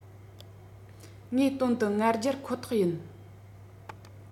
ངའི དོན དུ ང རྒྱལ ཁོ ཐག ཡིན